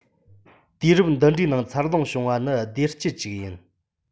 དུས རབས འདི འདྲའི ནང འཚར ལོངས བྱུང བ ནི བདེ སྐྱིད ཅིག ཡིན